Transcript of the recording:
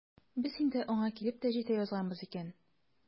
Без инде аңа килеп тә җитә язганбыз икән.